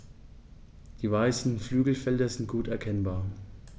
Die weißen Flügelfelder sind gut erkennbar.